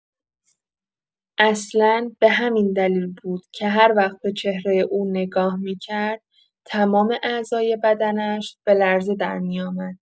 اصلا به همین دلیل بود که هر وقت به چهره او نگاه می‌کرد، تمام اعضای بدنش به لرزه درمی‌آمد.